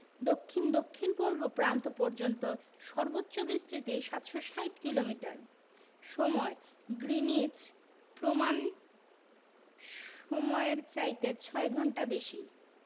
দক্ষিণ দক্ষিণপূর্ব প্রান্ত পর্যন্ত সর্বোচ্চ বিস্তৃতি ৭৬০ কিলোমিটার সময়ঃ গ্রীনিচ প্রমাণ সমইয়ের চাইতে ৬ ঘন্টা বেশি